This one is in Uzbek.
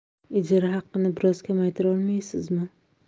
ijara haqini biroz kamaytirolmaysizmi